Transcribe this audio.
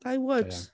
I would.